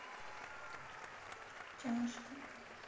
тяжко